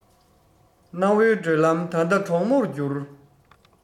གནའ བོའི བགྲོད ལམ ད ལྟ གྲོག མོར གྱུར